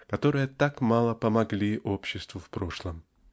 которые так мало помогли обществу в прошлом.